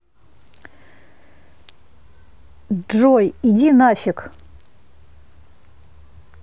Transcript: джой иди на фиг